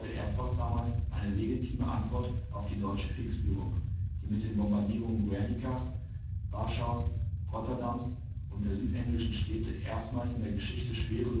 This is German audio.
Airforce damals eine legitime Antwort auf die deutsche Kriegsführung, die mit den Bombardierungen Guernicas, Warschaus, Rotterdams und der südenglischen Städte erstmals in der Geschichte schwere